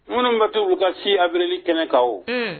Munun be to ku ka si abili kɛnɛ kan wo hun